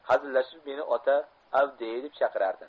hazillashib meni ota avdiy deb chaqirardi